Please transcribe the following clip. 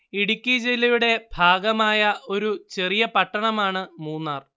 ഇടുക്കി ജില്ലയുടെ ഭാഗമായ ഒരു ചെറിയ പട്ടണമാണ് മൂന്നാർ